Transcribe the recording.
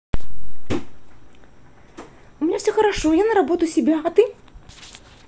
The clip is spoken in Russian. у меня все хорошо я на работу себя а ты